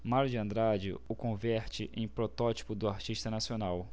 mário de andrade o converte em protótipo do artista nacional